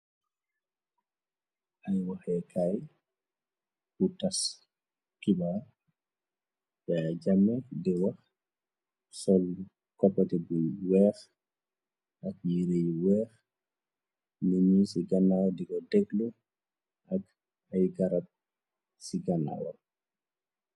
Ay waxeekaay bu taskiba ya jame di wax solbu koppate buy weex ak yiire yi weex ninu ci gana diko deglu ak ay garab ci kanaar.